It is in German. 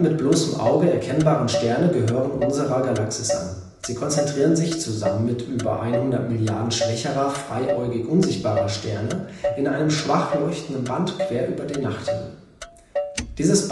bloßem Auge erkennbaren Sterne gehören unserer Galaxis an. Sie konzentrieren sich – zusammen mit über 100 Milliarden schwächerer, freiäugig unsichtbarer Sterne – in einem schwach leuchtenden Band quer über den Nachthimmel, das